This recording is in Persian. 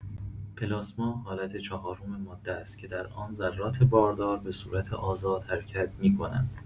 پلاسما حالت چهارم ماده است که در آن ذرات باردار به صورت آزاد حرکت می‌کنند.